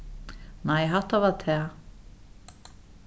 nei hatta var tað